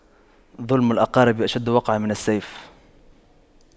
ظلم الأقارب أشد وقعا من السيف